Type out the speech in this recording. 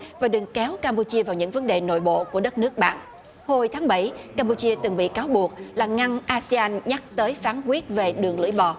và đừng kéo cam pu chia vào những vấn đề nội bộ của đất nước bạn hồi tháng bảy cam pu chia từng bị cáo buộc là ngăn a xi an nhắc tới phán quyết về đường lưỡi bò